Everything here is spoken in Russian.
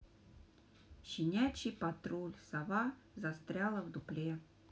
щенячий патруль сова застряла в дупле